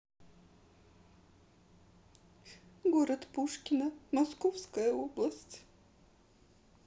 город пушкино московская область